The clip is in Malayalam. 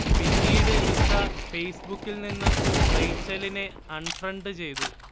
പിന്നീട് ലിസ ഫേസ്ബുക്കിൽനിന്ന് റേച്ചലിനെ അൺഫ്രണ്ട് ചെയ്തു